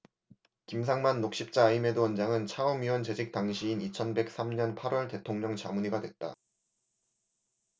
김상만 녹십자아이메드 원장은 차움의원 재직 당시인 이천 백 삼 년 팔 월 대통령 자문의가 됐다